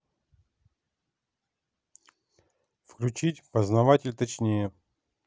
включить познаватель точнее